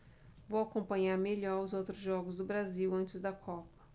vou acompanhar melhor os outros jogos do brasil antes da copa